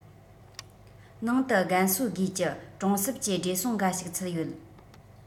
ནང དུ རྒན གསོ དགོས ཀྱི གྲོང གསེབ ཀྱི བགྲེས སོང འགའ ཞིག ཚུད ཡོད